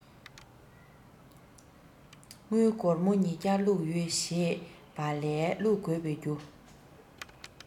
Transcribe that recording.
དངུལ སྒོར མོ ཉི བརྒྱ བླུག ཡོད ཞེས ང ཞེས པ ལས བླུག དགོས པའི རྒྱུ